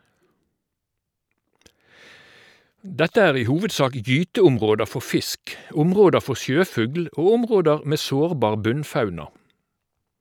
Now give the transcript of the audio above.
Dette er i hovedsak gyteområder for fisk, områder for sjøfugl og områder med sårbar bunnfauna.